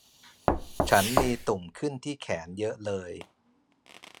ฉันมีตุ่มขึ้นที่แขนเยอะเลย